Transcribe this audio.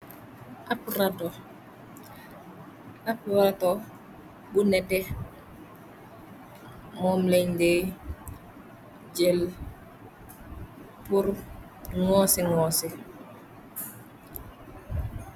Ab raato ab raato bu netex moom leñ le jëel pur ñgosi ngosi.